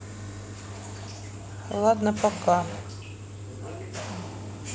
ладно пока